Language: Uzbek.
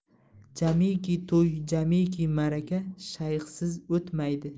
jamiki to'y jamiki maraka shayxsiz o'tmaydi